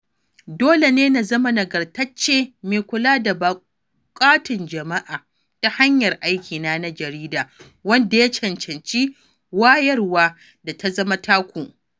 Dole ne na zama nagartacce, mai kula da buƙatun jama'a ta hanyar aikina na jarida, wanda ya cancanci wayarwar da ta zama taku.